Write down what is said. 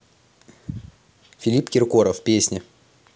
филипп киркоров песни